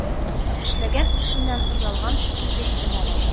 Эшләгән эшеннән оялган шикелле иде малай.